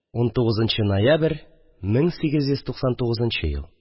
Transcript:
19 нчы ноябрь, 1899 ел